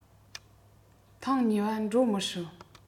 ཐེངས གཉིས པ འགྲོ མི སྲིད